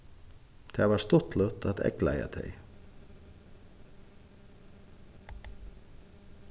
tað var stuttligt at eygleiða tey